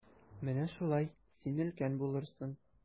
Менә шулай, син өлкән булырсың.